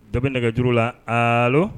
Dɔ nɛgɛj la a